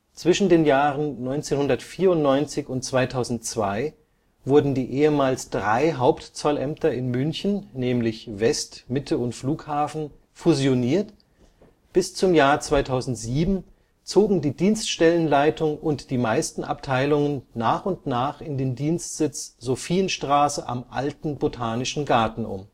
Zwischen 1994 und 2002 wurden die ehemals drei Hauptzollämter in München (West, Mitte und Flughafen) fusioniert, bis zum Jahr 2007 zogen die Dienststellenleitung und die meisten Abteilungen nach und nach in den Dienstsitz Sophienstraße am Alten Botanischen Garten um